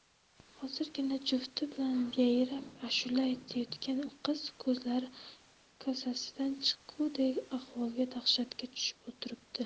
hozirgina jufti bilan yayrab ashula aytayotgan qiz ko'zlari kosasidan chiqquday ahvolda dahshatga tushib o'tiribdi